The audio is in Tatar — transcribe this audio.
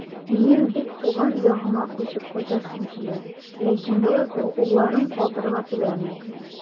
Минем бик туган ягыма күчеп кайтасым килә, ләкин Роза улларын калдырырга теләми.